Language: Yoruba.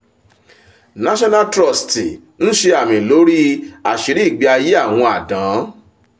National Trust ń ṣe amí lórí i àṣírí ìgbé ayé àwọn àdán